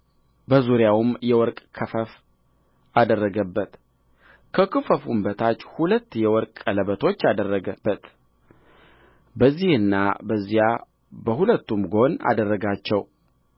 በዙሪያውም የወርቅ ክፈፍ አደረገበት ከክፈፉም በታች ሁለት የወርቅ ቀለበቶች አደረገበት በዚህና በዚያ በሁለቱም ጎን አደረጋቸው